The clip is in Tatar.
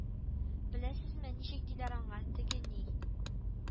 Беләсезме, ничек диләр аңа, теге ни